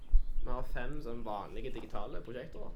Vi har fem sånn vanlige digitale prosjektorer.